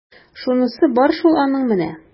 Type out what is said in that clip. Шунысы бар шул аның менә! ..